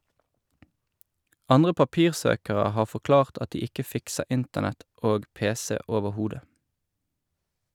Andre papirsøkere har forklart at de ikke fikser internett og pc overhodet.